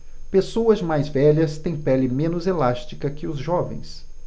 pessoas mais velhas têm pele menos elástica que os jovens